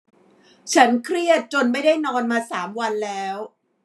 ฉันเครียดจนไม่ได้นอนมาสามวันแล้ว